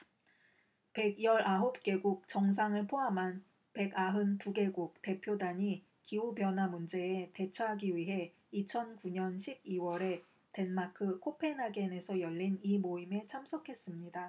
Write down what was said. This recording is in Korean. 백 열 아홉 개국 정상을 포함한 백 아흔 두 개국 대표단이 기후 변화 문제에 대처하기 위해 이천 구 년 십 이 월에 덴마크 코펜하겐에서 열린 이 모임에 참석했습니다